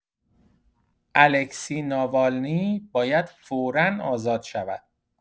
الکسی ناوالنی باید فورا آزاد شود.